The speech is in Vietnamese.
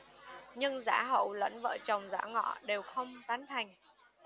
nhưng giả hậu lẫn vợ chồng giả ngọ đều không tán thành